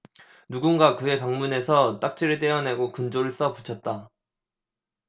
누군가 그의 방문에서 딱지를 떼어내고 근조를 써 붙였다